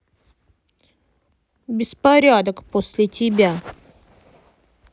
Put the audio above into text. беспорядок после тебя